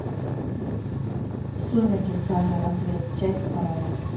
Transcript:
сумерки сага рассвет часть вторая